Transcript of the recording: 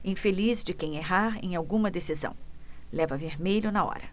infeliz de quem errar em alguma decisão leva vermelho na hora